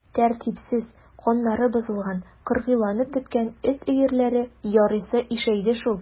Тәртипсез, каннары бозылган, кыргыйланып беткән эт өерләре ярыйсы ишәйде шул.